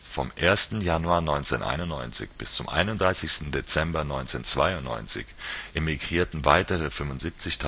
Vom 1. Januar 1991 bis zum 31. Dezember 1992 emigrierten weitere 75.000